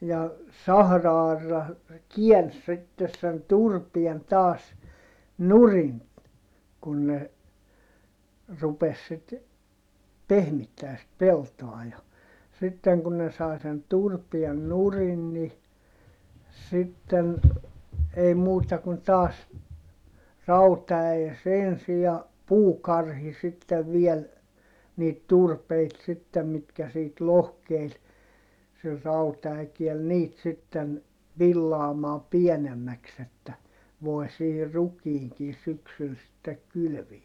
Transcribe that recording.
ja sahra-aura käänsi sitten sen turpeen taas nurin kun ne rupesi sitten pehmittämään sitten peltoa ja sitten kun ne sai sen turpeen nurin niin sitten ei muuta kuin taas rautaäes ensin ja puukarhi sitten vielä niitä turpeita sitten mitkä siitä lohkeili sillä rautaäkeellä niitä sitten villaamaan pienemmäksi että voi siihen rukiinkin syksyllä sitten kylvää